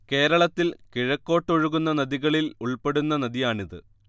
കേരളത്തിൽ കിഴക്കോട്ടൊഴുകുന്ന നദികളിൽ ഉൾപ്പെടുന്ന നദിയാണിത്